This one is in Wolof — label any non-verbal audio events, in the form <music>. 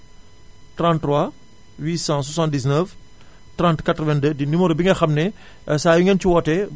<noise> 33 879 30 82 di numéro bi nga xam ne <inhales> saa yu ngeen ci wootee